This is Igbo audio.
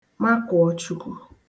Makụọ Chukwu.